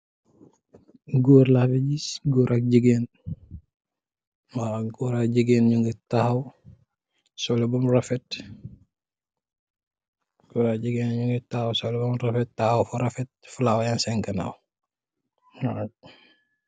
Gór la fi gis, gór ak gigeen ñugi taxaw solu bam rafet taxaw fu rafet fulawa yan sèèn ganaw.